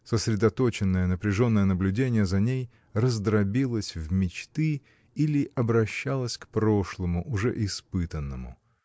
сосредоточенное, напряженное наблюдение за ней раздробилось в мечты или обращалось к прошлому, уже испытанному.